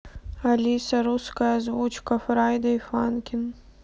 алиса русская озвучка фрайдей фанкин